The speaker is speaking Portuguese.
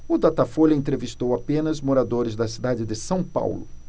o datafolha entrevistou apenas moradores da cidade de são paulo